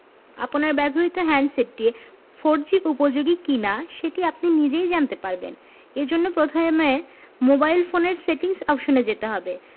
আপনার ব্যবহৃত হ্যান্ডসেটটি ফোরজি উপযোগী কিনা সেটি আপনি নিজেই জানতে পারবেন এ জন্য প্রথমে মোবাইল ফোনের সেটিংস অপশনে যেতে হবে